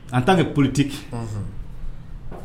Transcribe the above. An ta kɛ politigiki